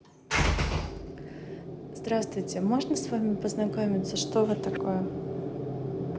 здравствуйте можно с вами познакомиться что вы такое